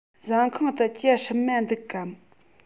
ཟ ཁང དུ ཇ སྲུབས མ འདུག གམ